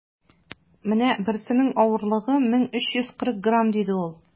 - менә берсенең авырлыгы 1340 грамм, - диде ул.